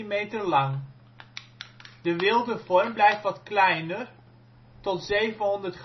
25 à 30 cm lang. De wilde vorm blijft wat kleiner, tot 700 gram. Voor de